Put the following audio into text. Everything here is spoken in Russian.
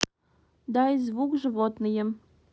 дай звук животные